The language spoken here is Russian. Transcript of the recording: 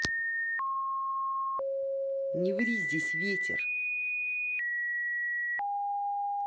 не ври здесь ветер